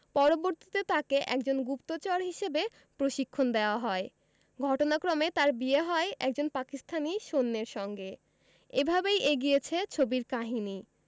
পরবর্তীতে তাকে একজন গুপ্তচর হিসেবে প্রশিক্ষণ দেওয়া হয় ঘটনাক্রমে তার বিয়ে হয় একজন পাকিস্তানী সৈন্যের সঙ্গে এভাবেই এগিয়েছে ছবির কাহিনী